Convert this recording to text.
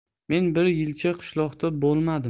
men bir yilcha qishloqda bo'lmadim